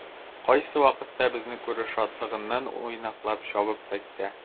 Кайсы вакытта безне күрү шатлыгыннан уйнаклап чабып та китә.